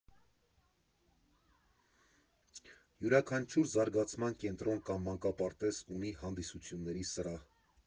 Յուրաքանչյուր զարգացման կենտրոն կամ մանկապարտեզ ունի հանդիսությունների սրահ։